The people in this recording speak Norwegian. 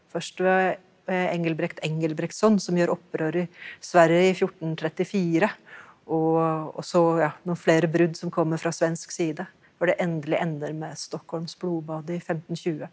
først ved ved Engelbrekt Engelbrektsson som gjør opprør i Sverige i 1434 og også ja noen flere brudd som kommer fra svensk side når det endelig ender med Stockholms blodbad i femtentjue.